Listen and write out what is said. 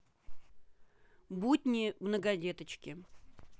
будни многодеточки